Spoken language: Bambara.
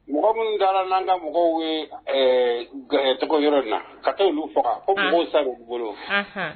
Mɔgɔ minnu' n'an ka mɔgɔw tɔgɔ yɔrɔ in na ka taa faga ko'sa bolo